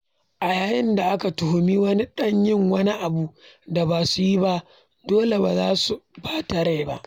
A yayin da aka tuhumi wani da yin wani abu da ba su yi ba, dole ba za su ɓata rai ba.